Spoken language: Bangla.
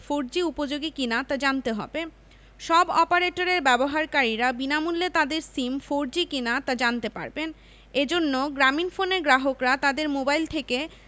ফোরজি উপযোগী কিনা তা জানতে হবে সব অপারেটরের ব্যবহারকারীরা বিনামূল্যে তাদের সিম ফোরজি কিনা তা জানতে পারবেন এ জন্য গ্রামীণফোনের গ্রাহকরা তাদের মোবাইল থেকে